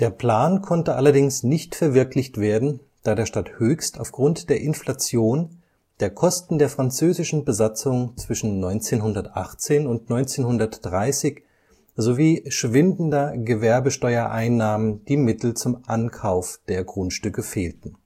Plan konnte allerdings nicht verwirklicht werden, da der Stadt Höchst aufgrund der Inflation, der Kosten der französischen Besatzung zwischen 1918 und 1930 sowie schwindender Gewerbesteuereinnahmen die Mittel zum Ankauf der Grundstücke fehlten